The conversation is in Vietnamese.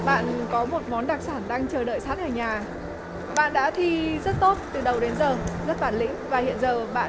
bạn có một món đặc sản đang chờ đợi sẵn ở nhà bạn đã thi rất tốt từ đầu đến giờ rất bản lĩnh và hiện giờ bạn